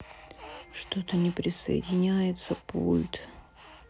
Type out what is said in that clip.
что то не присоединяется пульт